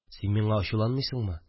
– син миңа ачуланмыйсыңмы